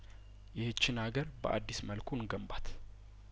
ይህችን አገር በአዲስ መልኩ እንገንባት